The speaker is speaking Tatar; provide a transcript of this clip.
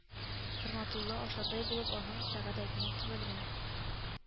Хөрмәтулла, ашардай булып, аның Сәгадәтенә төбәлгән